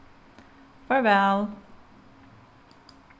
farvæl